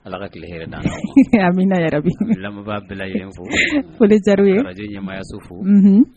Ala ka tile hɛrɛ d'an ma amina yaarabi an bɛ lamɛbaa bɛɛ lajɛlen fo foli diyar'u ye ka radio ɲɛmaayaso fo unhun